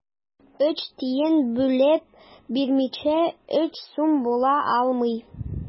Өч тиен бүлеп бирмичә, өч сум була алмый.